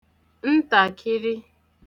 ntàkịrị